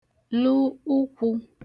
lu ụkwụ̄